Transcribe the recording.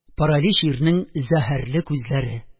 Паралич ирнең зәһәрле күзләре